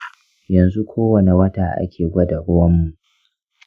yanzu kowane wata ake gwada ruwanmu.